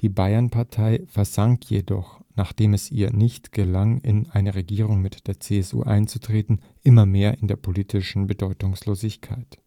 Bayernpartei versank jedoch, nachdem es ihr nicht gelang, in eine Regierung mit der CSU einzutreten, immer mehr in die politische Bedeutungslosigkeit